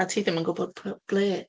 A ti ddim yn gwybod p-, ble.